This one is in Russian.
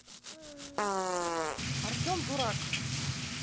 артем дурак